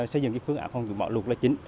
xây dựng cái phương án phòng chống bạo lũ là chính